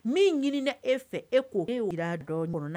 Min ɲinina e fɛ e k ko e jira dɔn